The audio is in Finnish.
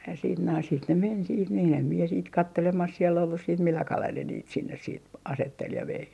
ja sitten noin sitten ne meni sitten niin en minä sitten katselemassa siellä ollut sitten millä kalella ne niitä sinne sitten asetteli ja vei